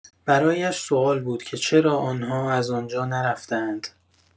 برایش سوال بود که چرا آن‌ها از آنجا نرفته‌اند.